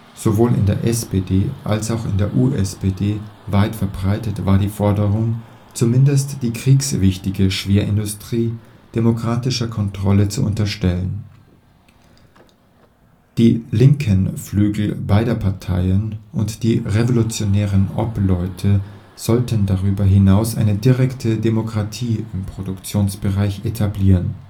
Sowohl in der SPD als auch in der USPD weit verbreitet war die Forderung, zumindest die kriegswichtige Schwerindustrie demokratischer Kontrolle zu unterstellen. Die linken Flügel beider Parteien und die Revolutionären Obleute wollten darüber hinaus eine direkte Demokratie im Produktionsbereich etablieren